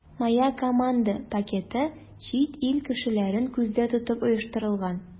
“моя команда” пакеты чит ил кешеләрен күздә тотып оештырылган.